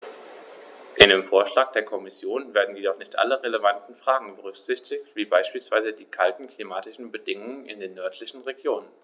In dem Vorschlag der Kommission werden jedoch nicht alle relevanten Fragen berücksichtigt, wie beispielsweise die kalten klimatischen Bedingungen in den nördlichen Regionen.